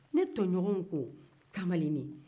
ne tɔɲɔgɔnw ko kamalennin